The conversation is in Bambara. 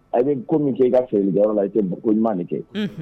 A bɛ ko min k kɛ i ka feereyɔrɔ la i tɛ ko ɲuman de kɛ